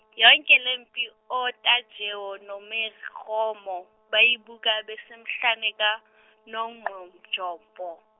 yonke lempi oTajewo noMeromo bayibuka besemhlane kaNonqonjombo.